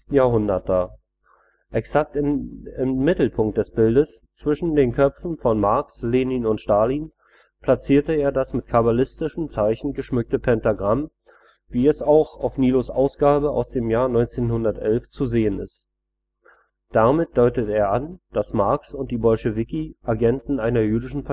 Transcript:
Jahrhundert dar; exakt in den Mittelpunkt des Bildes, zwischen die Köpfe von Marx, Lenin und Stalin, platziert er das mit kabbalistischen Zeichen geschmückte Pentagramm, wie es auch auf Nilus ' Ausgabe aus dem Jahr 1911 zu sehen ist. Damit deutet er an, dass Marx und die Bolschewiki Agenten einer jüdischen